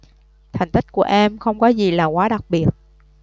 thành tích của em không có gì là quá đặc biệt